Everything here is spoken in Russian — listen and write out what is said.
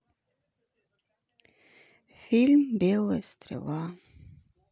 фильм белая стрела